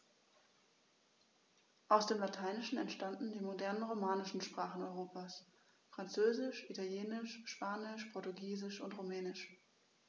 Aus dem Lateinischen entstanden die modernen „romanischen“ Sprachen Europas: Französisch, Italienisch, Spanisch, Portugiesisch und Rumänisch.